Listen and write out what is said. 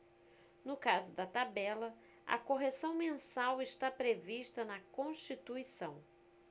no caso da tabela a correção mensal está prevista na constituição